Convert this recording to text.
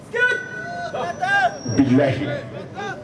Se tɛ